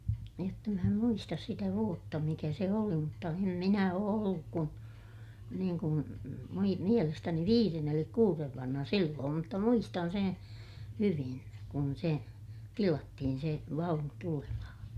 jotta minä en muista sitä vuotta mikä se oli mutta en minä ole ollut kuin niin kuin - mielestäni viiden eli kuuden vanha silloin mutta muistan sen hyvin kun se tilattiin se vaunu tulemaan